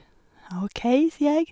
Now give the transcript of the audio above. OK, sier jeg.